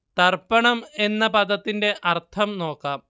തർപ്പണം എന്ന പദത്തിന്റെ അർത്ഥം നോക്കാം